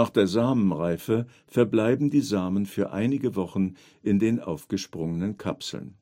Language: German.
der Samenreife verbleiben die Samen für einige Wochen in den aufgesprungenen Kapseln